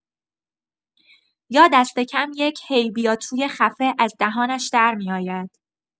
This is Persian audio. یا دست‌کم یک "هی بیا تو"ی خفه از دهانش درمی‌آید.